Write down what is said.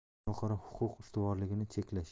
xalqaro huquq ustuvorligini cheklash